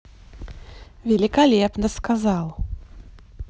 великолепно сказал